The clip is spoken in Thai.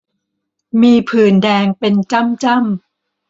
มีผื่นแดงเป็นจ้ำจ้ำ